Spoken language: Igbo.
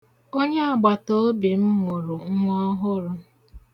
Onyeagbataobi m mụrụ nwa.